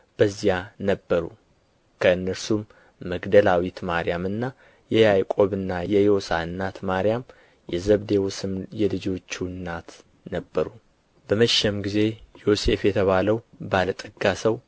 በዚያ ነበሩ ከእነርሱም መግደላዊት ማርያምና የያዕቆብና የዮሳ እናት ማርያም የዘብዴዎስም የልጆቹ እናት ነበሩ በመሸም ጊዜ ዮሴፍ የተባለው ባለ ጠጋ ሰው